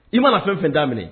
I mana fɛn o fɛn daminɛ